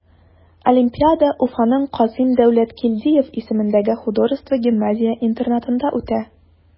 Олимпиада Уфаның Касыйм Дәүләткилдиев исемендәге художество гимназия-интернатында үтә.